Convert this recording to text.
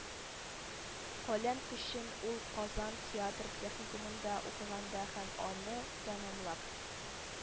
Каләм көчен ул казан театр техникумында укыганда һәм аны тәмамлап